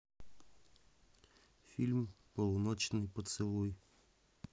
фильм полуночный поцелуй